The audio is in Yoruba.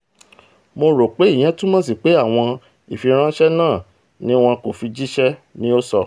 Mó ròpé ìyẹn túmọ̀sí pé àwọn ìfirańṣẹ́ náà ni wọn kò fi jíṣẹ́,'' ni ó sọ.